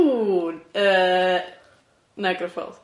Www yy Niagara Falls.